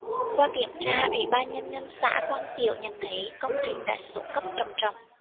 qua kiểm tra ủy ban nhân dân xã quang chiểu nhận thấy công trình đã xuống cấp trầm trọng